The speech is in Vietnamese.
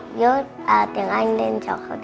dốt tiếng anh nên cháu không